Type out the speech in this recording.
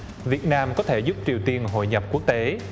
việt nam có thể giúp triều tiên và hội nhập quốc tế